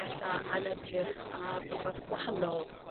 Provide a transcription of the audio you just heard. ella yn edrych ar rywbath gwahanol